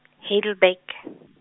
Heidelberg.